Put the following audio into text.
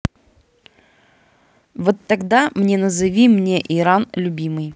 вот тогда мне назови мне iran любимый